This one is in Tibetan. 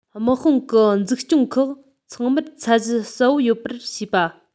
དམག དཔུང གི འཛུགས སྐྱོང ཁག ཚང མར ཚད གཞི གསལ པོ ཡོད པར བྱེད པ